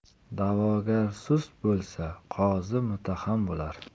da'vogar sust bo'lsa qozi muttaham bo'lar